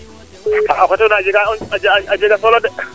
o xetola a jega solo de